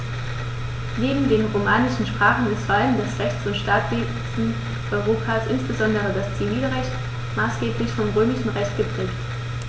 Neben den romanischen Sprachen ist vor allem das Rechts- und Staatswesen Europas, insbesondere das Zivilrecht, maßgeblich vom Römischen Recht geprägt.